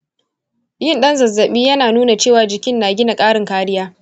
yin ɗan zazzaɓi yana nuna cewa jikin na gina ƙarin kariya.